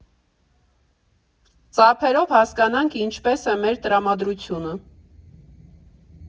Ծափերով հասկանանք՝ ինչպես է մեր տրամադրությունը։